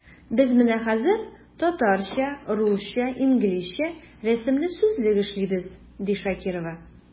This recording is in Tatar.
Без менә хәзер “Татарча-русча-инглизчә рәсемле сүзлек” эшлибез, ди Шакирова.